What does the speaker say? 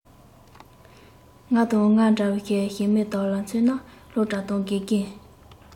ང དང ང འདྲ བའི ཞི མི དག ལ མཚོན ན སློབ གྲྭ དང དགེ རྒན